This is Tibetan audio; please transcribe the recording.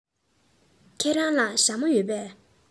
ཁྱེད རང ལ ཞྭ མོ ཡོད པས